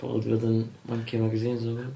Pobl 'di bod yn wancio magazines .